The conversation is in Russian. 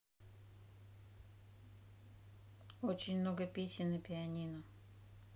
очень много песен на пианино